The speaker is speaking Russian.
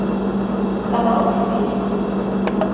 канал сибирь